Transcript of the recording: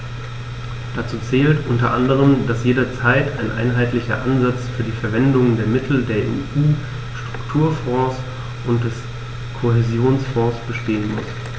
Dazu zählt u. a., dass jederzeit ein einheitlicher Ansatz für die Verwendung der Mittel der EU-Strukturfonds und des Kohäsionsfonds bestehen muss.